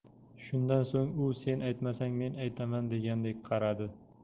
shundan so'ng u sen aytmasang men aytaman degandek qaradi